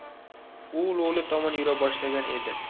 u lo'li tomon yura boshlagan edi